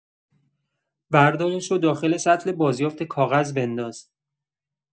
بردارش و داخل سطل بازیافت کاغذ بنداز.